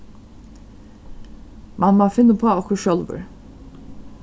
mann má finna upp á okkurt sjálvur